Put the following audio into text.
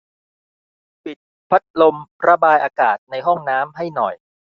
ปิดพัดลมระบายอากาศในห้องน้ำให้หน่อย